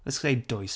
Let's say dwys.